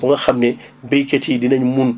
ba nga xam ni béykat yi dinañ mun